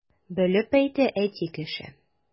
Белеп әйтә әти кеше!